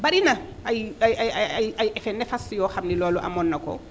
bari na ay ay ay ay ay effets néfastes yoo xam ni loolu amoon na ko